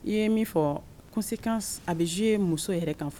I ye min fɔ conséquence a bɛ jouer muso yɛrɛ kan.